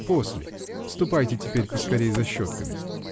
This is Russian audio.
после; ступайте теперь поскорей за щетками.